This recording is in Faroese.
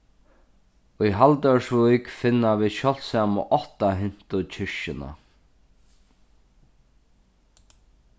í haldórsvík finna vit sjáldsamu áttahyrntu kirkjuna